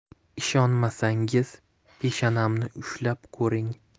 ishonmasangiz peshanamni ushlab ko'ring